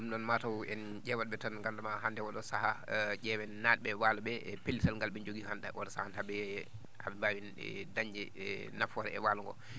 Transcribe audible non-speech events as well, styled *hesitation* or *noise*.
?um noon maa taw en ?ewat?e tan gandema o?o sahaa *hesitation* yewen nad?e waalo ?e e pellital ngal ?e jogui hannde e on centre ha?e ha?e mbawi dañde *hesitation* nafoore e waalo ngo *breath*